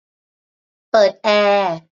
เปิดแอร์